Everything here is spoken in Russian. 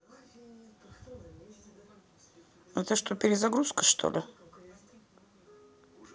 это что перезагрузка или что